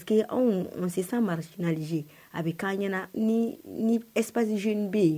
Parce que anw sisan marisinalize a bɛ k' ɲɛna epz z bɛ yen